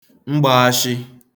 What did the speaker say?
mgbāshị